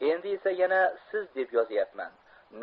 endi esa yana siz deb yozyapman